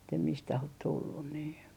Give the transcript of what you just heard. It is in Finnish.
että mistä olet tullut niin